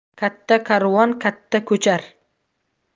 katta karvon katta ko'char